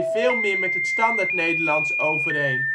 veel meer met het Standaardnederlands overeen